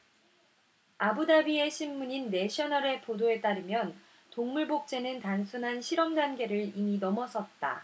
아부다비의 신문인 내셔널 의 보도에 따르면 동물 복제는 단순한 실험 단계를 이미 넘어섰다